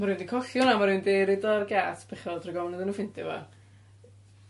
ma' rywun 'di colli wnna ma' rywun 'di roid o ar giât bechod rag ofn iddyn nw ffindio fo